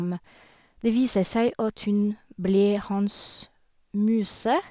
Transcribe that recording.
Det viser seg at hun ble hans muse.